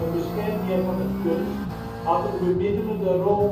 beschermheer van de kunst, had een bemiddelende rol